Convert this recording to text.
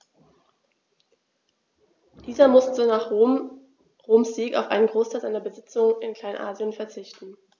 Dieser musste nach Roms Sieg auf einen Großteil seiner Besitzungen in Kleinasien verzichten.